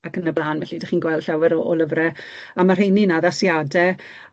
Ac yn y bla'n, felly 'dach chi'n gweld llawer o o lyfre a ma' rheiny'n addasiade